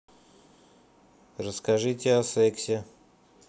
расскажите о сексе